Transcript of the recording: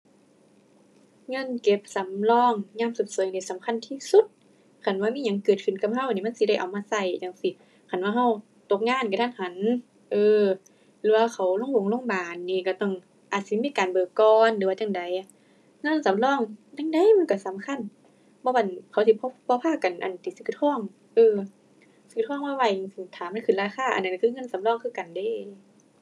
เงินเก็บสำรองยามฉุกเฉินก็สำคัญที่สุด คันว่ามีหยังเกิดขึ้นกับก็นี่มันสิได้เอามาใซ้จั่งซี้ คันว่าก็ตกงานกะทันหัน เออ หรือว่าเข้าโรงบงโรงบาลนี่ก็ต้องอาจสิมีการเบิกก่อนหรือว่าจั่งใด เงินสำรองจั่งใดมันก็สำคัญ บ่ว่าซั้นเขาสิ บ่พากัน อั่น ที่สิซื้อทอง เออ ซื้อทองมาไว้จั่งซี้ ท่ามันขึ้นราคา อันนั้นก็คือเงินสำรองคือกันเดะ